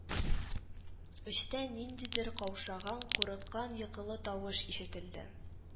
Эчтән ниндидер, каушаган, курыккан йокылы тавыш ишетелде: